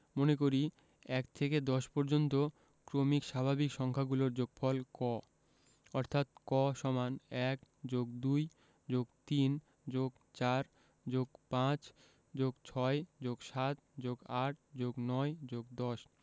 মনে করি ১ থেকে ১০ পর্যন্ত ক্রমিক স্বাভাবিক সংখ্যাগুলোর যোগফল ক অর্থাৎ ক = ১+২+৩+৪+৫+৬+৭+৮+৯+১০